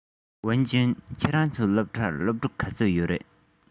ཝུན ཅུན ཁྱོད རང ཚོའི སློབ གྲྭར སློབ ཕྲུག ག ཚོད ཡོད རེད